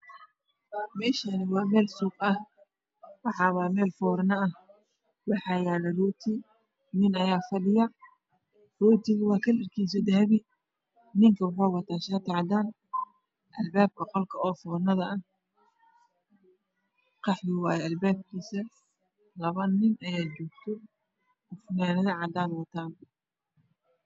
Meeshani waa meel suuq ah waxaa waaye meel foorna ah waxaa yaalo rooti nin ayaa fa dhiyo rootiga kalarkiisa waa dahabi ninka waxa uu wataa shaati cadaan ah albaabka qolka foornada ah waa dahabi kalarkiisa labanin ayaa joogto funaanado cadaan ah ayay wataan